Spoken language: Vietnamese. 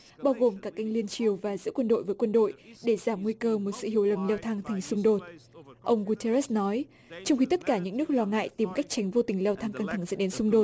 bao gồm cả kênh liên triều và giữa quân đội với quân đội để giảm nguy cơ một sự hiểu lầm leo thang thành xung đột ông gu tê rớt nói trong khi tất cả những nước lo ngại tìm cách tránh vô tình leo thang căng thẳng dẫn đến xung đột